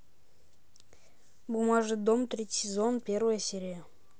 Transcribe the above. бумажный дом третий сезон первая серия